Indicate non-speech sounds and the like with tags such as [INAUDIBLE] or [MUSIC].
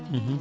[HESITATION] [HESITATION]